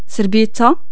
سربيتة